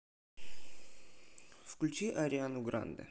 включи ариану гранде